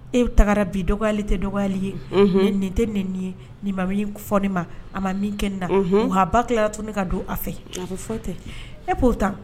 E tagara bi dɔgɔyali tɛ dɔgɔyali ye, unhun, nɛni tɛ nɛni ye nin ma min fɔ ne ma a ma min kɛ ne na, unhunn nka a ba tila la ka don a fɛ , a bɛ fɔ ten et pourtant